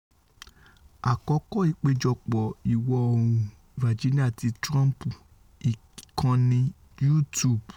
Àkókò Ìpéjọpọ̀ Ìwọ̀-oòrùn Virginia ti Trump, Ìkànnì YouTube